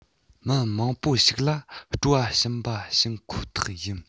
མི མང པོ ཞིག ལ སྤྲོ བ བྱིན པ བྱིན ཁོ ཐག ཡིན